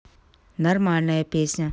нормальная песня